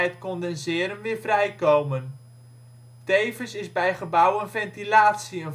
condenseren weer vrijkomen. Tevens is bij gebouwen ventilatie